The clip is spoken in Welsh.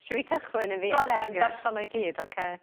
Isha fi cychwyn un fi... Go on then. ...wnâi ddarllen o i gyd oce?